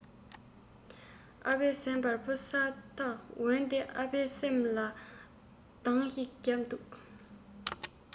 ཨ ཕའི བསམ པར བུ ས ཐག འོན ཏེ ཨ ཕའི སེམས ལ གདང ཞིག བརྒྱབ དུས